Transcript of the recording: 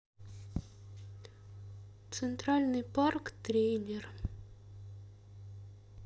центральный парк трейлер